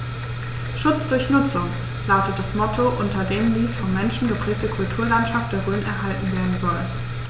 „Schutz durch Nutzung“ lautet das Motto, unter dem die vom Menschen geprägte Kulturlandschaft der Rhön erhalten werden soll.